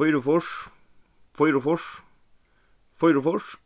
fýraogfýrs fýraogfýrs fýraogfýrs